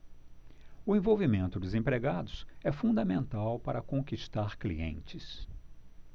o envolvimento dos empregados é fundamental para conquistar clientes